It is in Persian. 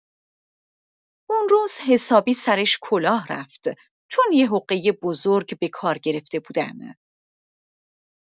اون روز حسابی سرش کلاه رفت، چون یه حقه بزرگ به کار گرفته بودن.